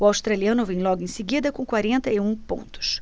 o australiano vem logo em seguida com quarenta e um pontos